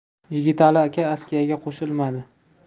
yigitali aka askiyaga qo'shilmadi